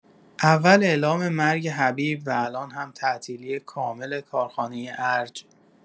اول اعلام مرگ حبیب و الان هم تعطیلی کامل کارخانه ارج!